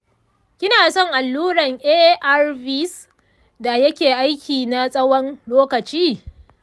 kina son alluran arvs da yake aiki na tsawon lokaci?